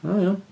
O iawn.